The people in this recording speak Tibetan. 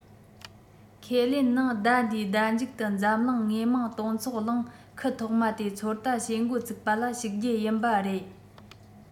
ཁས ལེན ནང ཟླ འདིའི ཟླ མཇུག ཏུ འཛམ གླིང དངོས མང སྟོན ཚོགས གླིང ཁུལ ཐོག མ དེ ཚོད ལྟ བྱེད འགོ ཚུགས པ ལ ཞུགས རྒྱུ ཡིན པ རེད